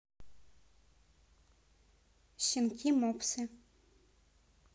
щенки мопсы